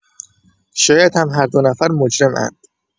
شاید هم هر دو نفر مجرم‌اند.